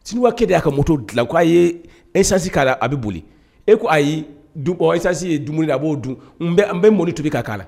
Chinois kɛ de y'a ka moto dilan, k'a ye essence k'a la a bɛ boli,e ko ayi du essence ye dumuni ye a b'o dun,n bɛ n bɛ mɔni tobi ka k'a la.